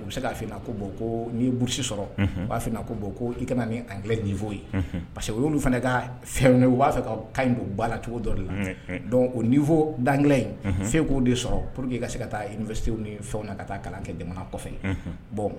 U bɛ se ka f ko ko n' buurusi sɔrɔ u b'a f ko ko i kana nin an nifɔo ye parce que u y'olu fana ka fɛn u b'a fɛ ka ka ɲi don ba lacogo dɔ la ofɔ dan in fɛn k' de sɔrɔ pur que i ka se ka taafɛw ni fɛnw na ka taa kalan kɛ jamana kɔfɛ bɔn